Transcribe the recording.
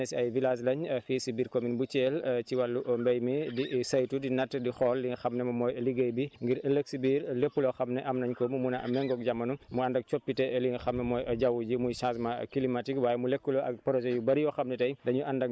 ISRA nag lëkkaloo ak ñi nga xam ne ñenn si ay villages lañ fii si biir commune bu thiel ci wàllu mbéy mi di saytu di natt di xool li nga xam ne mooy liggéey bi ngir ëllëg si biir lépp loo xam ne am nañ ko mu mun a ànd ak jamono mu ànd ak coppite li nga xam ne mooy jaww ji muy changement climatique